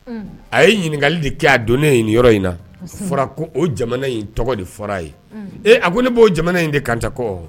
A ye ɲininkakali de kɛ a don ne nin yɔrɔ in na fɔra ko o jamana in tɔgɔ de fɔra a ye a ko ne'o jamana in de kanto kɔ